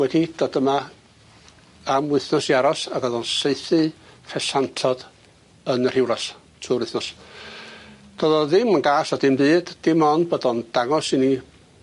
wedi dod yma am wythnos i aros ag o'dd o'n saethu ffesantod yn y Rhiwlas trwy'r wythnos do'dd o ddim yn gas na dim byd, dim ond bod o'n dangos i mi